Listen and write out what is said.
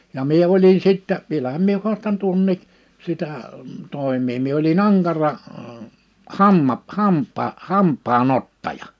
ja minä olin sitten vielähän minä haastan tuonkin sitä toimea minä olin ankara ---- hampaanottaja